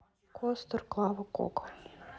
костер клава кока